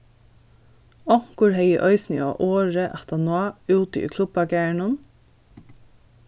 onkur hevði eisini á orði aftaná úti í klubbagarðinum